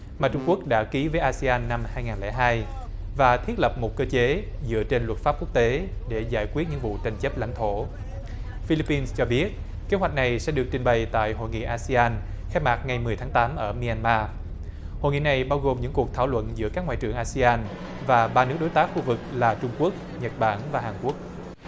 mà trung quốc đã ký với a se an năm hai ngàn lẻ hai và thiết lập một cơ chế dựa trên luật pháp quốc tế để giải quyết những vụ tranh chấp lãnh thổ phi líp pin cho biết kế hoạch này sẽ được trình bày tại hội nghị a se an khai mạc ngày mười tháng tám ở mi an ma hội nghị này bao gồm những cuộc thảo luận giữa các ngoại trưởng a se an và ba nước đối tác khu vực là trung quốc nhật bản và hàn quốc